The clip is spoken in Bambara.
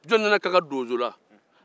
jɔn ni ne ka kan donso la